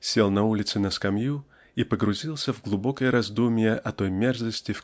сел на улице на скамью и погрузился в глубокое раздумье о той мерзости